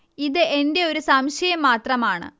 ഇത് എന്റെ ഒരു സംശയം മാത്രമാണ്